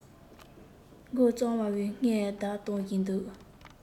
མགོ རྩོམ བའི སྔོན བརྡ གཏོང བཞིན འདུག